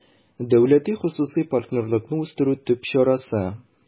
«дәүләти-хосусый партнерлыкны үстерү» төп чарасы